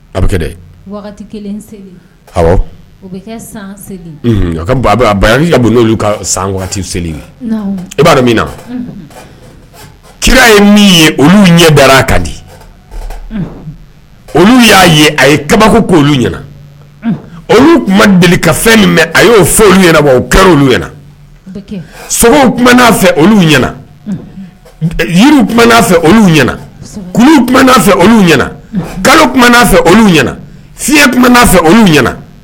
A bɛ kɛ dɛ n'olu ka san waati seli e'a min na kira ye min ye olu ɲɛ bara kan di olu y'a ye a ye kabako ko olu ɲɛna olu tun deli ka fɛn min a y'w ɲɛna kɛra olu ɲɛna sow tuna fɛ olu ɲɛna yiriw tuna fɛ olu ɲɛna tun fɛ olu ɲɛna kalo tun fɛ olu ɲɛna fiɲɛ tun fɛ olu ɲɛna